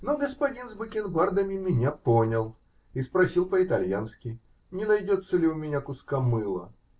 Но господин с бакенбардами меня понял и спросил по-итальянски, не найдется ли у меня куска мыла.